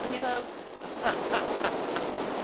O'n i fel...